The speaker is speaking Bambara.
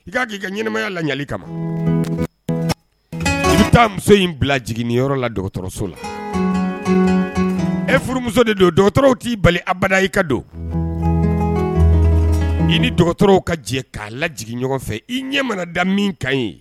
I k'a'i ka ɲɛnaɛnɛmaya lali kama i taa muso in bila jigin ni yɔrɔ la dɔgɔtɔrɔso la e furumuso de don dɔgɔtɔrɔw t'i bali abada i ka don i ni dɔgɔtɔrɔw ka jɛ k'a laj ɲɔgɔn fɛ i ɲɛ mana da min ka ɲi